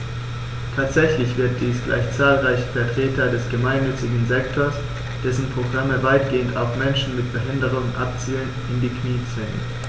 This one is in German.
Tatsächlich wird dies gleich zahlreiche Vertreter des gemeinnützigen Sektors - dessen Programme weitgehend auf Menschen mit Behinderung abzielen - in die Knie zwingen.